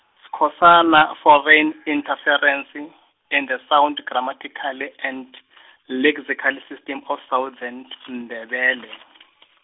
Skhosana Foreign Interferencing, in the Sound Grammatical and , Lexical System of Southern , Ndebele .